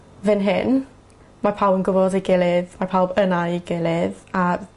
fyn hyn ma' pawb yn gwbod ei gilydd mae pawb yna i gilydd a